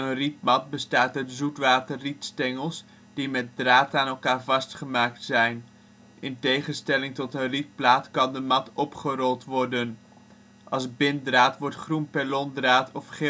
rietmat bestaat uit zoetwater rietstengels, die met draad aan elkaar vastgemaakt zijn en in tegenstelling tot een rietplaat opgerold kan worden. Als binddraad wordt groen perlondraad of